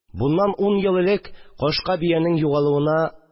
Буннан ун ел элек кашка биянең югалуына